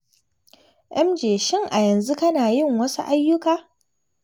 MJ: Shin a yanzu kana yin wasu ayyuka?